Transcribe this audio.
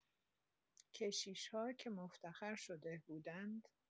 کشیش‌ها که مفتخر شده بودند.